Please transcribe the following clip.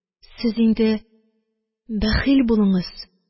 Сез инде бәхил булыңыз